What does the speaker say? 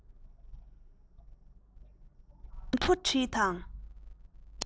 ཉིན ཐོ བྲིས དང